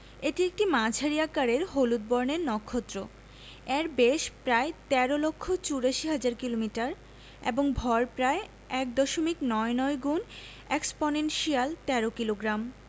এটি একটি মাঝারি আকারের হলুদ বর্ণের নক্ষত্র এর ব্যাস প্রায় ১৩ লক্ষ ৮৪ হাজার কিলোমিটার এবং ভর প্রায় এক দশমিক নয় নয় গুনএক্সপনেনশিয়াল ১৩ কিলোগ্রাম